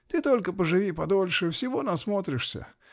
-- Ты только поживи подольше -- всего насмотришься.